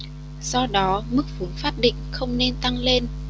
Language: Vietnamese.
do đó mức vốn pháp định không nên tăng lên